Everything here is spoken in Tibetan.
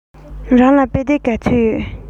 རང ལ དཔེ དེབ ག ཚོད ཡོད